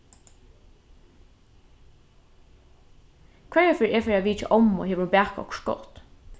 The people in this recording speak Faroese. hvørja ferð eg fari at vitja ommu hevur hon bakað okkurt gott